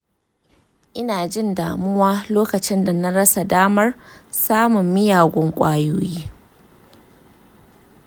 ina jin damuwa lokacin da na rasa damar samun miyagun ƙwayoyi.